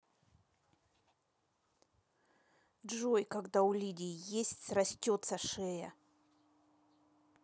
джой когда у лидии есть срастется шея